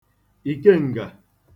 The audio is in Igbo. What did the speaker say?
ìkeǹgà